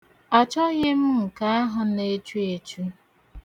Achọghị m nke ahụ na-echu echu.